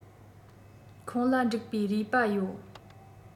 ཁོང ལ འགྲིག པའི རུས པ ཡོད